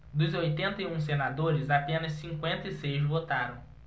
dos oitenta e um senadores apenas cinquenta e seis votaram